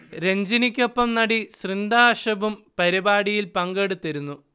രഞ്ജിനിയ്ക്കൊപ്പം നടി സൃന്ദ അഷബും പരിപാടിയിൽ പങ്കെടുത്തിരുന്നു